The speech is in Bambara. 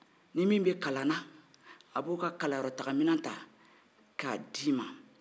ni min bɛ kalan na a b'o ka kalanyɔrɔtaamina ta k'a d'i man